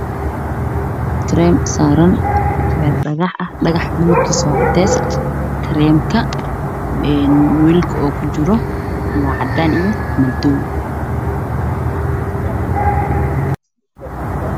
Waa kareem saaran meel dhagax ah midabkiisu waa cadeys, kareemka weelka uu kujiro waa cadaan iyo madow.